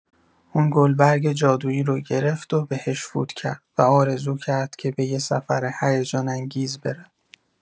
اون گلبرگ جادویی رو گرفت و بهش فوت کرد و آرزو کرد که به یه سفر هیجان‌انگیز بره.